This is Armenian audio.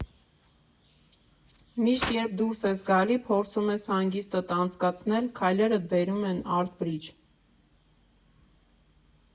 Միշտ, երբ դուրս ես գալիս, փորձում ես հանգիստդ անցկացնել, քայլերդ բերում են Արտ Բրիջ։